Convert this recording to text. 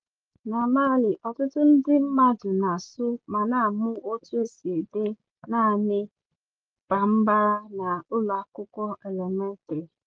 Na Mali, ọtụtụ ndị mmadụ na-asụ ma na-amụ otu esi ede naanị Bambara na ụlọakwụkwọ elementrị.